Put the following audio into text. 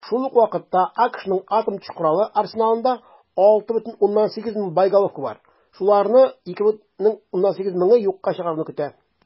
Шул ук вакытта АКШның атом төш коралы арсеналында 6,8 мең боеголовка бар, шуларны 2,8 меңе юкка чыгаруны көтә.